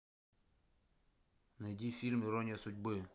найди фильм ирония судьбы